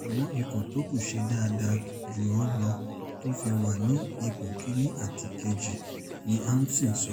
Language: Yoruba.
Àmọ́ ikọ̀ tó kù ṣe dáadáa jù ú lọ t’ọ́n fi wà ní ipò 1 àti 2,” ni Hamilton sọ.